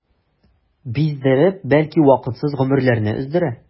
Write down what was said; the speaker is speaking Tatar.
Биздереп, бәлки вакытсыз гомерләрне өздерә.